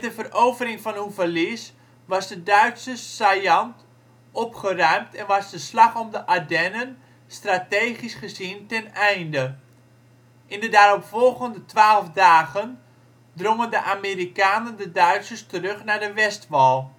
verovering van Houffalize was de Duitse saillant opgeruimd en was de Slag om de Ardennen strategisch gezien ten einde. In de daaropvolgende twaalf dagen drongen de Amerikanen de Duitsers terug naar de Westwall